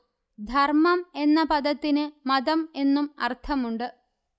ധർമം എന്ന പദത്തിന് മതം എന്നും അർഥമുണ്ട്